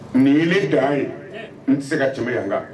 Nin yelen dan an ye n tɛ se ka cogo bɛ yanka